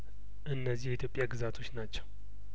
እነዚህ የኢትዮጵያ ግዛቶች ናቸው